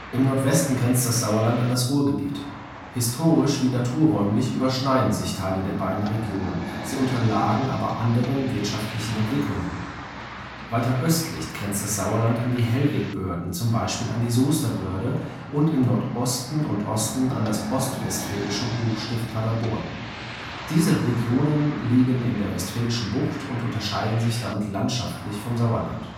Im Nordwesten grenzt das Sauerland an das Ruhrgebiet. Historisch wie naturräumlich überschneiden sich Teile der beiden Regionen, sie unterlagen aber anderen wirtschaftlichen Entwicklungen. Weiter östlich grenzt das Sauerland an die Hellwegbörden, zum Beispiel an die Soester Börde, und im Nordosten und Osten an das ostwestfälische Hochstift Paderborn. Diese Regionen liegen in der Westfälischen Bucht und unterscheiden sich damit landschaftlich vom Sauerland